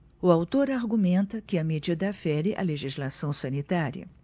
o autor argumenta que a medida fere a legislação sanitária